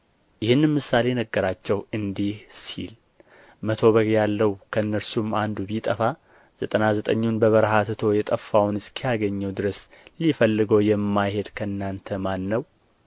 ይህንም ምሳሌ ነገራቸው እንዲህ ሲል መቶ በግ ያለው ከእነርሱም አንዱ ቢጠፋ ዘጠና ዘጠኙን በበረሃ ትቶ የጠፋውን እስኪያገኘው ድረስ ሊፈልገው የማይሄድ ከእናንተ ማን ነው